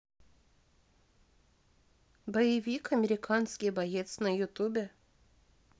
боевик американский боец на ютубе